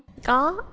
có